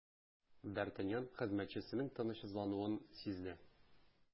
Д’Артаньян хезмәтчесенең тынычсызлануын сизде.